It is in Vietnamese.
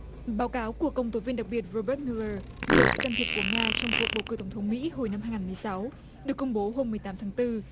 báo cáo của công tố viên đặc biệt rô bớt biu lờ về sự can thiệp của nga trong cuộc bầu cử tổng thống mỹ hồi năm hai nghìn mười sáu được công bố hôm mười tám tháng tư